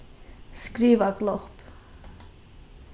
skriva glopp